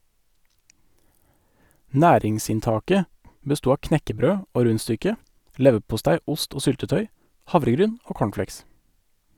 Næringsinntaket besto av knekkebrød og rundstykke, leverpostei, ost og syltetøy, havregryn og cornflakes.